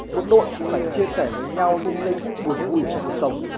một đội thì phải chia sẻ với nhau những giây phút buồn vui ở trong cuộc sống